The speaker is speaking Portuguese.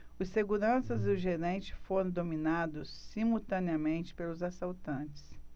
os seguranças e o gerente foram dominados simultaneamente pelos assaltantes